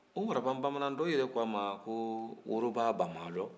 o waraban bamanan dɔw yɛrɛ ko a ma ko worobaa banbarɔ